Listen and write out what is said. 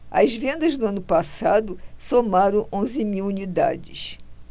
as vendas no ano passado somaram onze mil unidades